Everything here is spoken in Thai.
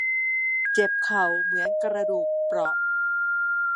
เจ็บเข่าเหมือนกระดูกเปราะ